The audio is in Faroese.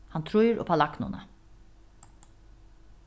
hann trýr upp á lagnuna